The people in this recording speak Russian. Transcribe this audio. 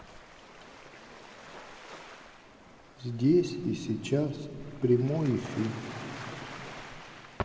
здесь и сейчас прямой эфир